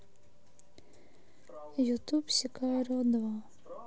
ютуб сикарио два